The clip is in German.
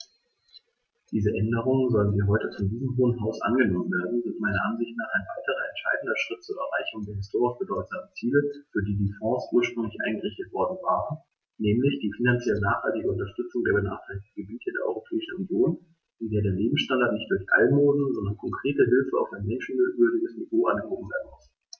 Diese Änderungen, sollten sie heute von diesem Hohen Haus angenommen werden, sind meiner Ansicht nach ein weiterer entscheidender Schritt zur Erreichung der historisch bedeutsamen Ziele, für die die Fonds ursprünglich eingerichtet worden waren, nämlich die finanziell nachhaltige Unterstützung der benachteiligten Gebiete in der Europäischen Union, in der der Lebensstandard nicht durch Almosen, sondern konkrete Hilfe auf ein menschenwürdiges Niveau angehoben werden muss.